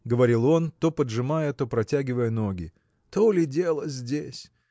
– говорил он, то поджимая, то протягивая ноги, – то ли дело здесь!